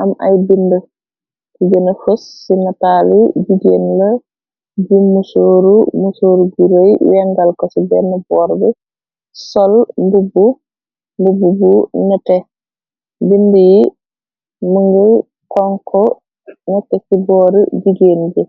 Am ay bind i gëna fos ci nataali jigéen la bi musooru musooru gurey wengal ko ci denn boor bi. Sol mbubbu mbubb bu nete. Bind yi mëngay kon ko nete ki booru jigéen gi.